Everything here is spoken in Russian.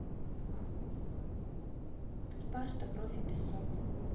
спарта кровь и песок